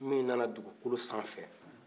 min na na dugukolo san fɛ